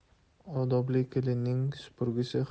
odobli kelinning supurgisi